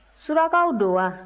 surakaw don wa